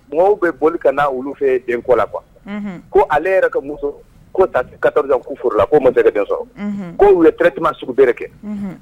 Mɔgɔw bɛ boli ka na olu fɛ ye den ko la quoi unhun ko ale yɛrɛ ka muso ko ta s 14 -- ans k'u furula k'o ma < <sɔrɔ unhun ko u ye traitement sugubɛ de kɛ unhun